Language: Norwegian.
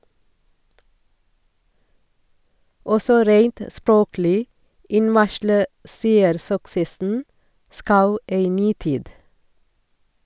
Også reint språklig innvarsler seersuksessen Schau ei ny tid.